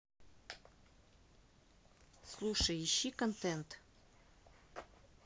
слушай ищи контент